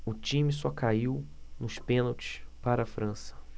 o time só caiu nos pênaltis para a frança